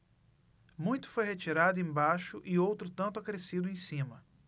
muito foi retirado embaixo e outro tanto acrescido em cima